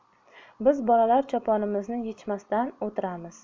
biz bolalar choponimizni yechmasdan o'tiramiz